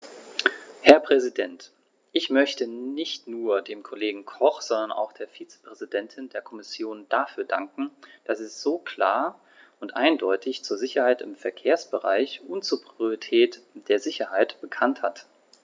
Herr Präsident, ich möchte nicht nur dem Kollegen Koch, sondern auch der Vizepräsidentin der Kommission dafür danken, dass sie sich so klar und eindeutig zur Sicherheit im Verkehrsbereich und zur Priorität der Sicherheit bekannt hat.